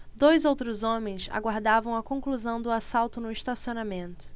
dois outros homens aguardavam a conclusão do assalto no estacionamento